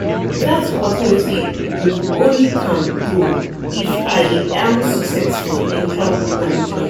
That opportunity would only come, though, if I am successful in club management."